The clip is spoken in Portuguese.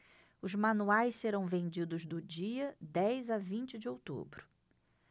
os manuais serão vendidos do dia dez a vinte de outubro